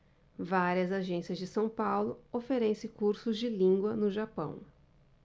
várias agências de são paulo oferecem cursos de língua no japão